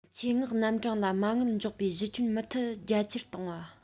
ཆེད མངགས རྣམ གྲངས ལ མ དངུལ འཇོག པའི གཞི ཁྱོན མུ མཐུད རྒྱ ཆེར གཏོང བ